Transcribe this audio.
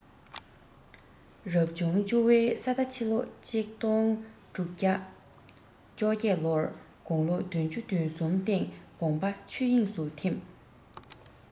རབ བྱུང བཅུ བའི ས རྟ ཕྱི ལོ ༡༦༡༨ ལོར དགུང ལོ བདུན ཅུ དོན གསུམ སྟེང དགོངས པ ཆོས དབྱིངས སུ འཐིམས